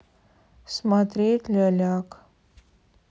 смотреть ляляк